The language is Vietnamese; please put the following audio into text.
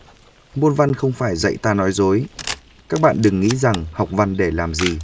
môn văn không phải dạy ta nói dối các bạn đừng nghĩ rằng học văn để làm gì